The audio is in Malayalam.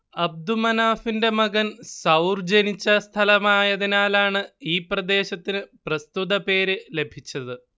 അബ്ദുമനാഫിന്റെ മകൻ സൌർ ജനിച്ച സ്ഥലമായതിനാലാണ് ഈ പ്രദേശത്തിന് പ്രസ്തുത പേര് ലഭിച്ചത്